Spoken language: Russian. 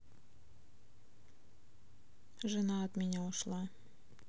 жена от меня ушла